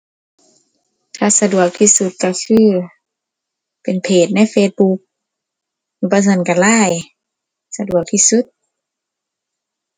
ถ้าสะดวกที่สุดก็คือ เป็นเพจใน Facebook บ่ซั้นก็ LINE สะดวกที่สุด